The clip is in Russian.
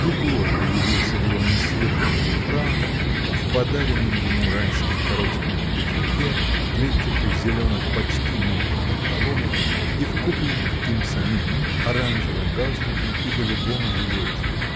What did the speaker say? Егорка явился было неслыханным франтом, в подаренном ему Райским коротеньком пиджаке, клетчатых зеленых, почти новых, панталонах и в купленных им самим — оранжевом галстухе и голубом жилете.